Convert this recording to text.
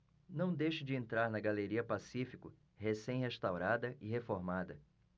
não deixe de entrar na galeria pacífico recém restaurada e reformada